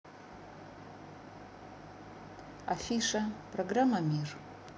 афиша программа мир